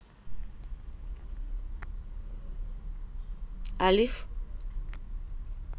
alif